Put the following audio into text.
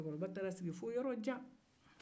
cɛkɔrɔba taara sigi fo yɔrɔ jan